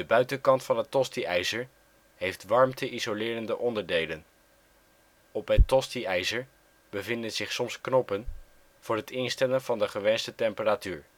buitenkant van het tosti-ijzer heeft warmte-isolerende onderdelen. Op het tosti-ijzer bevinden zich soms knoppen voor het instellen van de gewenste temperatuur